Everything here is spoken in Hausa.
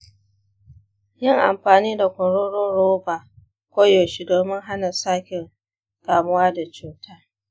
yi amfani da kwaroron roba koyaushe domin hana sake kamuwa da cuta.